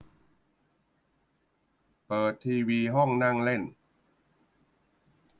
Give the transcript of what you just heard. เปิดทีวีห้องนั่งเล่น